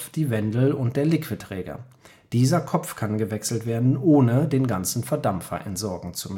die Wendel und der Liquidträger. Dieser Kopf kann gewechselt werden, ohne den ganzen Verdampfer entsorgen zu